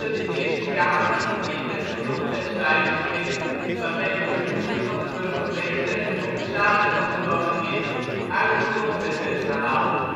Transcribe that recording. de Eerste Kamer niet in met de Grondwetswijziging waarmee de benoeming van de burgemeester en de commissaris van de Koningin uit de Grondwet werd gehaald